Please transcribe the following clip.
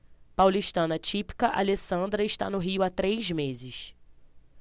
paulistana típica alessandra está no rio há três meses